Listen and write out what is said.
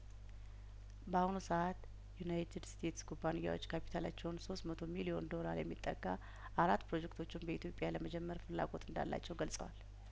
በአሁኑ ሰአት ዩናይትድ ስቴትስ ኩባንያዎች ካፒታላቸውን ሶስት መቶ ሚሊዮን ዶላር የሚጠጋ አራት ፕሮጀክቶችን በኢትዮጵያ ለመጀመር ፍላጐት እንዳላቸው ገልጸዋል